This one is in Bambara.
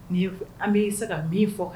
N' an bɛi se ka min fɔ